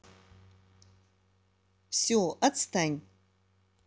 все отстань